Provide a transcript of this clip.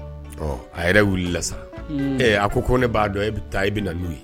Ɔ a yɛrɛ wulila sisan aɛɛ, a ko ne b'a dɔn e bɛ taa, i bɛ na n'u ye!